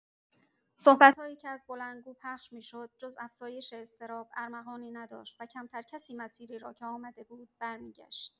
صحبت‌هایی که از بلندگو پخش می‌شد، جز افزایش اضطراب، ارمغانی نداشت و کمتر کسی مسیری را که آمده بود، برمی‌گشت.